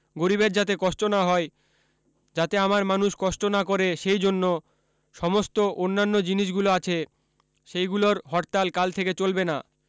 গরিবের যাতে কষ্ট না হয় যাতে আমার মানুষ কষ্ট না করে সেই জন্য সমস্ত অন্যান্য জিনিসগুলো আছে সেইগুলোর হরতাল কাল থেকে চলবে না